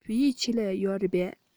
བོད ཡིག ཆེད ལས ཡོད རེད པས